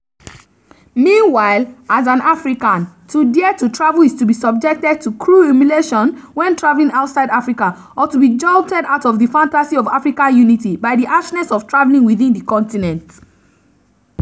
Meanwhile, as an African, to dare to travel is to be subjected to cruel humiliations when travelling outside Africa — or to be jolted out of the fantasy of African unity by the harshness of travelling within the continent.